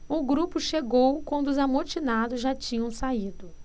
o grupo chegou quando os amotinados já tinham saído